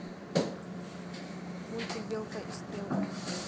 мультик белка и стрелка